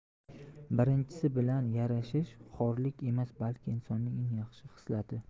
birinchisi bilan yarashish xorlik emas balki insonning eng yaxshi xislati